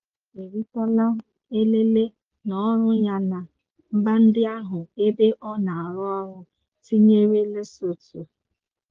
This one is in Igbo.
Ụlọ ọrụ Gem Diamonds eritala elele n'ọrụ ya na mba ndị ahụ ebe ọ na-arụ ọrụ, tinyere Lesotho.